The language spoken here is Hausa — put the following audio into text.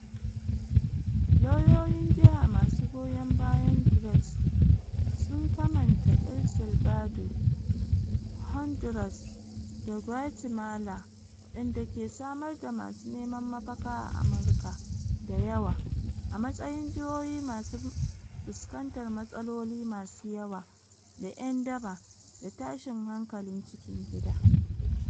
Lauyoyin jiha masu goyon bayan Grace sun kamanta El Salvador, Honduras da Guatemala, waɗanda ke samar da masu neman mafaka a Amurka da yawa, a matsayin jihohi masu fuskantar matsaloli masu yawa da yan daba da tashn hankalin cikin gida.